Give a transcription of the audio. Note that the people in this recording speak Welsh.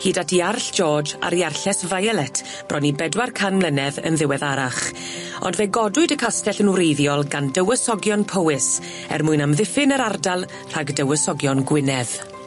hyd at Iarll George ar Iarlles Violet bron i bedwar can mlynedd yn ddiweddarach ond fe godwyd y castell yn wreiddiol gan dywysogion Powys er mwyn amddiffyn yr ardal rhag dywysogion Gwynedd.